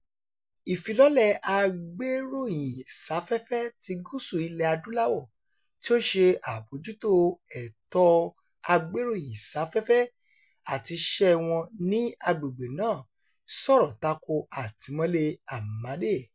Ìfilọ́lẹ̀ Agbéròyìn Sáfẹ́fẹ́ ti Gúúsù Ilẹ̀ Adúláwò, tí ó ń ṣe àbójútó ẹ̀tọ́ agbéròyìn sáfẹ́fẹ́ àti iṣẹ́ wọn ní agbègbè náà sọ̀rọ̀ tako àtìmọ́lé Amade: